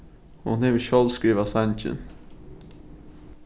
hon hevur sjálv skrivað sangin